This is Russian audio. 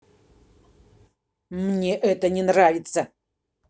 мне это не нравится